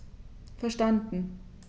Verstanden.